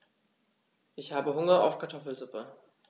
Ich habe Hunger auf Kartoffelsuppe.